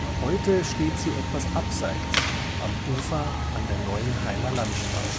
Heute steht sie etwas abseits am Ufer an der Neuenheimer Landstraße